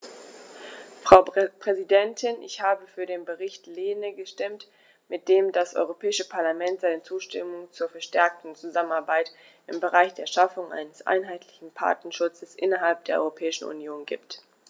Frau Präsidentin, ich habe für den Bericht Lehne gestimmt, mit dem das Europäische Parlament seine Zustimmung zur verstärkten Zusammenarbeit im Bereich der Schaffung eines einheitlichen Patentschutzes innerhalb der Europäischen Union gibt.